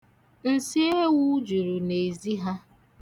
Nsi ewu juru n'ezi ha.